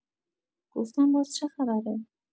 گفتم باز چه خبره؟